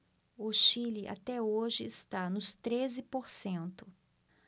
o chile até hoje está nos treze por cento